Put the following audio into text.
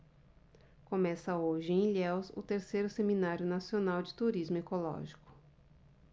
começa hoje em ilhéus o terceiro seminário nacional de turismo ecológico